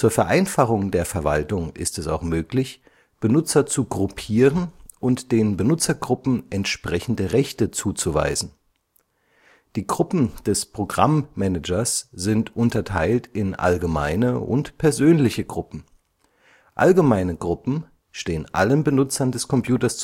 Vereinfachung der Verwaltung ist es auch möglich, Benutzer zu gruppieren und den Benutzergruppen entsprechende Rechte zuzuweisen. Die Gruppen des Programm-Managers sind unterteilt in allgemeine und persönliche Gruppen. Allgemeine Gruppen stehen allen Benutzern des Computers